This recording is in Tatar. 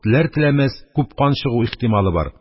Теләр-теләмәс, күп кан чыгу ихтималы бар.